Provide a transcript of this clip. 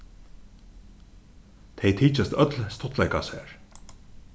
tey tykjast øll stuttleika sær